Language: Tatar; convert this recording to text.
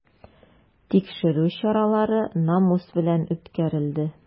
Тикшерү чаралары намус белән үткәрелде.